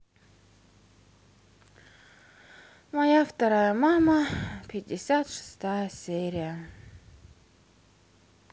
моя вторая мама пятьдесят шестая серия